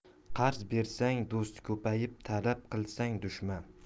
qarz bersang do'st ko'payar talab qilsang dushman